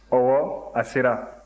ɔwɔ a sera